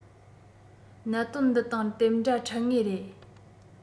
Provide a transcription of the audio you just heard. གནད དོན འདི དང དེ འདྲ འཕྲད ངེས རེད